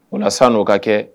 O san n'o ka kɛ